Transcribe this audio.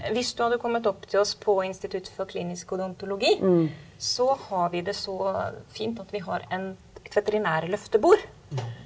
hvis du hadde kommet opp til oss på Institutt for klinisk odontologi, så har vi det så fint at vi har en et veterinærløftebord.